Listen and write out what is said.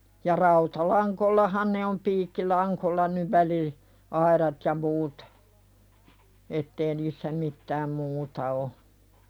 ja rautalangoillahan ne on piikkilangoillahan nyt - väliaidat ja muut että ei niissä mitään muuta ole